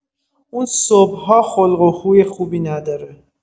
اون صبح‌ها خلق و خوی خوبی نداره